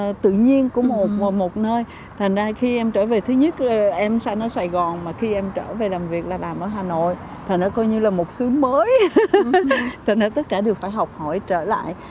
à tự nhiên của một một một nơi thành ra khi em trở về thứ nhất a em sanh ở sài gòn mà khi em trở về làm việc là làm ở hà nội thành ra coi như là một xứ mới thành ra tất cả đều phải học hỏi trở lại